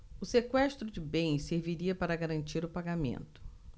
o sequestro de bens serviria para garantir o pagamento